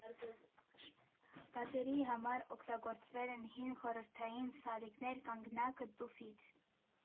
Պատերի համար օգտագործվել են հին խորհրդային սալիկներ, կանգնակը տուֆից է։